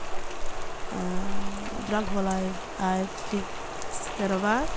Dragvoll eif er et fint sted å være.